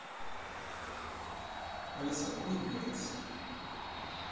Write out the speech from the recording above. алиса ой блядь